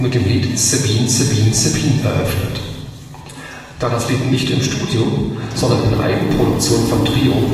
dem Lied Sabine Sabine Sabine eröffnet. Da das Lied nicht im Studio, sondern in Eigenproduktion von Trio